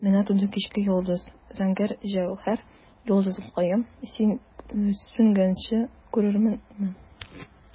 Менә туды кичке йолдыз, зәңгәр җәүһәр, йолдызкаем, син сүнгәнче күрерменме?